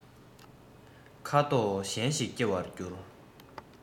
ཁ དོག གཞན ཞིག སྐྱེ བར འགྱུར